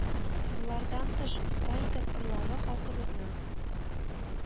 Болардан тыш, оста итеп ырлавы, халкыбызның